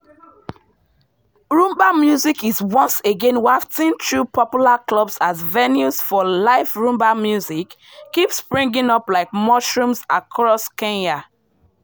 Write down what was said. Rhumba music is once again wafting through popular clubs as venues for live Rhumba music keep springing up like mushrooms across Kenya.